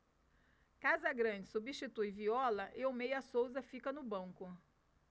casagrande substitui viola e o meia souza fica no banco